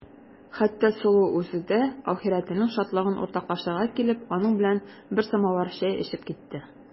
Хәтта Сылу үзе дә ахирәтенең шатлыгын уртаклашырга килеп, аның белән бер самавыр чәй эчеп китте.